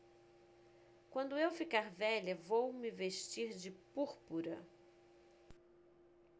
quando eu ficar velha vou me vestir de púrpura